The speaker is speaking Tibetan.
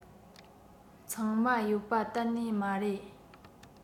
ཚང མ ཡོད པ གཏན ནས མ རེད